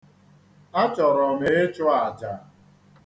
Achọrọ m ịchụ aja.